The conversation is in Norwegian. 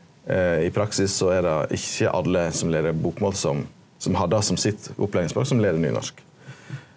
i praksis so er det ikkje alle som lærer bokmål som som har det som sitt opplæringsspråk som lærer nynorsk.